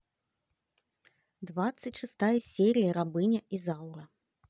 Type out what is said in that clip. двадцать шестая серия рабыня изаура